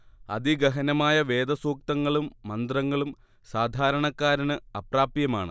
അതിഗഹനമായ വേദസുക്തങ്ങളും മന്ത്രങ്ങളും സാധാരണക്കാരന് അപ്രാപ്യമാണ്